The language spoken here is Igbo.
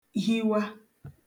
hiwa